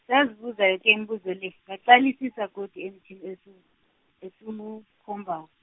ngisazibuza yoke imibuzo le, ngaqalisisa godu emthini esiwu- esiwukhomba-.